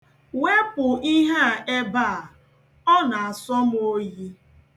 Wepụ ihe a ebe a, ọ na-asọ m oyi.